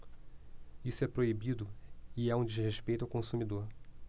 isso é proibido e é um desrespeito ao consumidor